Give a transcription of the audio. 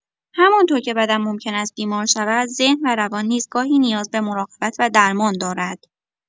همان‌طور که بدن ممکن است بیمار شود، ذهن و روان نیز گاهی نیاز به مراقبت و درمان دارد.